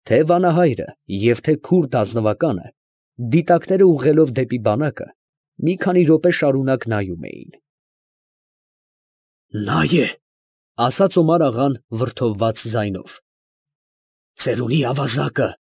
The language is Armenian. Թե՛ վանահայրը և թե՛ քուրդ ազնվականը, դիտակները ուղղելով դեպի բանակը, մի քանի րոպե շարունակ նայում էին։ ֊ Նա է, ֊ ասաց Օմար֊աղան վրդովված ձայնով. ֊ ծերունի ավազակը։